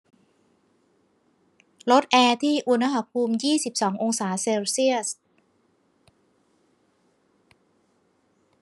ลดแอร์ที่อุณหภูมิยี่สิบสององศาเซลเซียส